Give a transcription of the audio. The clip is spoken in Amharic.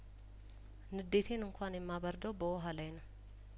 ንዴቴን እንኳን የማበርደው በውሀ ላይ ነው